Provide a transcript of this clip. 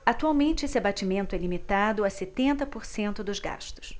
atualmente esse abatimento é limitado a setenta por cento dos gastos